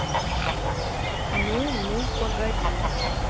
ну ну погоди